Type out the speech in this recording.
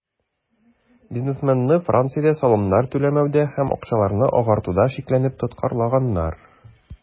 Бизнесменны Франциядә салымнар түләмәүдә һәм акчаларны "агартуда" шикләнеп тоткарлаганнар.